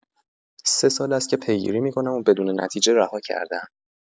سه سال است که پیگیری می‌کنم و بدون نتیجه رها کرده‌ام.